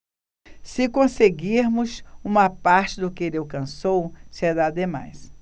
se conseguirmos uma parte do que ele alcançou será demais